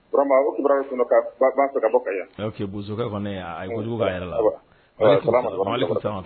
Ka bɔ yan bo fana ka